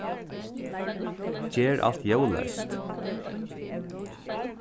ger alt ljóðleyst